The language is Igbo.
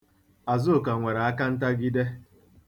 Azụka nwere akantagide.